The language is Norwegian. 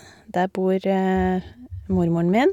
Der bor mormoren min.